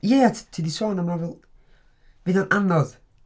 Ie ti 'di sôn am nofel... fydd o'n anodd.